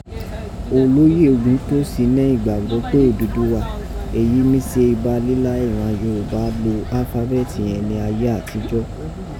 Olóyè Ògúntósìn nẹ́ ígbàgbọ́ pé Odùduwà, èyí mi se iba lílá ìran Yorùbá lò alífábẹ́ẹ̀tì yẹ̀n ní ayé àtijọ́.